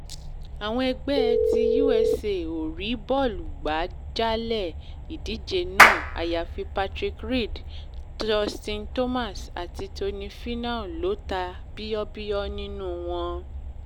Àwọn ẹgbẹ́ ti USA ò rí bọ́ọ̀lù gbá jálẹ̀ ìdíje náà àyàfi Patrick Reed, Justin Thomas àti Tony Finau ló ta bíyọ́bíyọ́ nínú wọn.